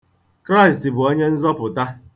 Kraịst bụ onye nzọpụta.